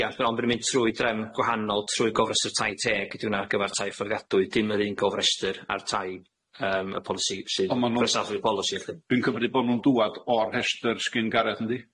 Ia ond by' nw'n mynd trwy drefn gwahanol trwy gofrestr tai teg ydi hwnna ar gyfar tai fforddiadwy dim yr un gofrestyr ar tai yym y polisi sydd... O ma' nw'n bresathu'r polisi felly, dwi'n cymryd bo' nw'n dŵad o'r rhestyr sgin Gareth yndi?